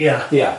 Ia ia.